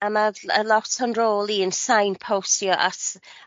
A ma' ll- lot o'n rôl i yn sign-postio at